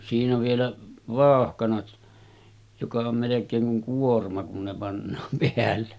siinä vielä vauhkanat joka on melkein kuin kuorma kun ne pannaan päälle